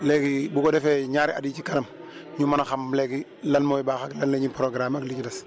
léegi bu ko defee ñaari at yi ci kanam ñu mën a xam léegi lan mooy baax ak lan la ñuy programme ak li ci des